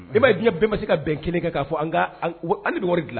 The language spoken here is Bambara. I man ye diɲɛ bɛɛ man se ka bɛn 1 kɛ k'a fɔ an ka an de bɛ wari